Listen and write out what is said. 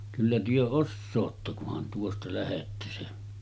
kyllä te osaatte kunhan tuosta lähdette se